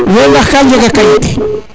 we ndax ga njega kayit